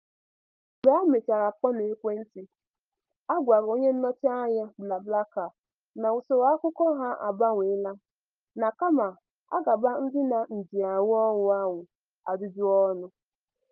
Mgbe ha mechara kpọọ n'ekwentị, ha gwara onye nnọchianya BlaBlaCar na usoro akụkọ ha agbanweela, na kama, ha ga-agba ndị njiarụ ọrụ ahụ ajụjụọnụ.